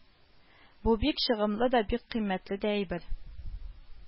Бу бик чыгымлы да, бик кыйммәтле дә әйбер